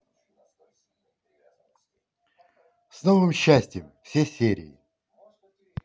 с новым счастьем все серии